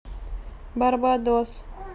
барбадос